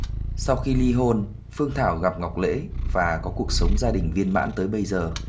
sau khi ly hôn phương thảo gặp ngọc lễ và có cuộc sống gia đình viên mãn tới bây giờ